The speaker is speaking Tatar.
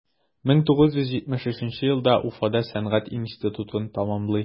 1973 елда уфада сәнгать институтын тәмамлый.